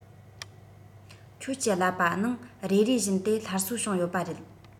ཁྱོད ཀྱི ཀླད པ ནང རེ རེ བཞིན དེ སླར གསོ བྱུང ཡོད པ རེད